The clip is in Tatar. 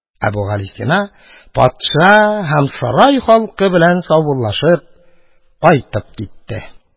Әбүгалисина патша һәм сарай халкы белән саубуллашып кайтып китте.